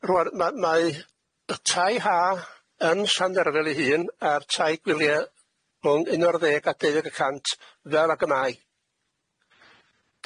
Rŵan ma' mae y tai Ha yn Llanderfel ei hun a'r tai gwylie mewn un ar ddeg a deuddeg y cant fel ag y mae.